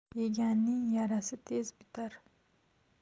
yeganning yarasi tez bitar